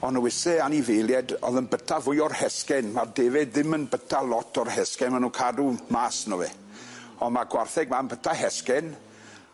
O'n nw isie anifeilied o'dd yn byta fwy o'r hesgen ma'r defaid ddim yn byta lot o'r hesgen ma' nw'n cadw mas o'no fe on' ma' gwartheg 'ma'n byta hesgen